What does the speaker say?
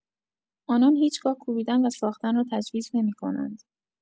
آنان هیچ‌گاه کوبیدن و ساختن را تجویز نمی‌کنند.